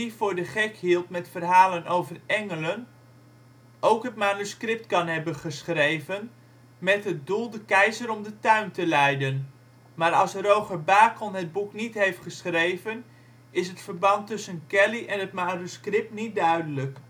voor de gek hield met verhalen over engelen, ook het manuscript kan hebben geschreven, met het doel de keizer om de tuin te leiden. Maar als Roger Bacon het boek niet heeft geschreven, is het verband tussen Kelley en het manuscript niet duidelijk